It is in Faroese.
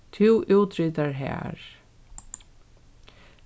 tú útritar har